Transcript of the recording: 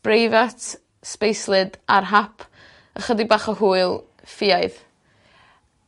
breifat, sbeislyd, ar hap ychydig bach o hwyl, ffiaidd.